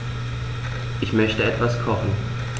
Ich möchte etwas kochen.